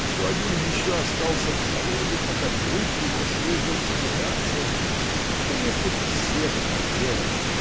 что один еще остался в залоге, пока друг его съездил повидаться. Что если б все-то так делали